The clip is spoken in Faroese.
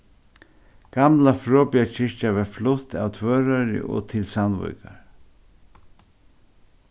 gamla froðbiar kirkja varð flutt av tvøroyri og til sandvíkar